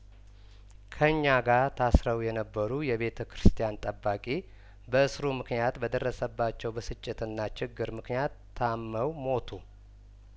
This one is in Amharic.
ከኛ ጋር ታስረው የነበሩ የቤተ ክርስቲያን ጠባቂ በእስሩ ምክንያት በደረሰባቸው ብስጭትና ችግር ምክንያት ታመው ሞቱ